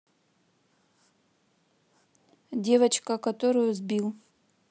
девочка которую сбил